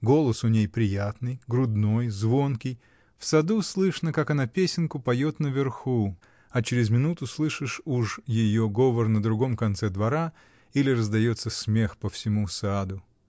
Голос у ней приятный, грудной, звонкий, в саду слышно, как она песенку поет наверху, а через минуту слышишь уж ее говор на другом конце двора, или раздается смех по всему саду.